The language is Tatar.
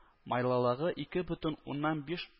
Майлылыгы ике бөтен уннан биш -